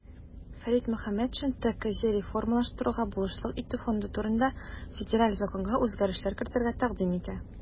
Фәрит Мөхәммәтшин "ТКҖ реформалаштыруга булышлык итү фонды турында" Федераль законга үзгәрешләр кертергә тәкъдим итә.